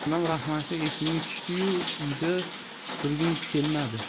onam rahmatli esimga tushdi yu uyda turgim kelmadi